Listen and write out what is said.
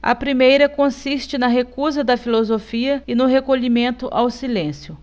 a primeira consiste na recusa da filosofia e no recolhimento ao silêncio